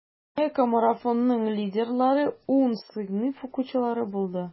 ЭКОмарафонның лидерлары 10 сыйныф укучылары булды.